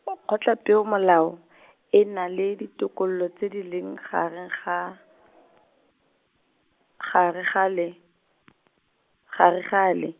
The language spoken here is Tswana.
Kgotlapeomolao , e na le ditokololo tse di leng gareng ga , gare gale , gare gale.